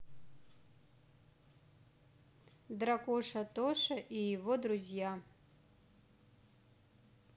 дракоша тоша и его друзья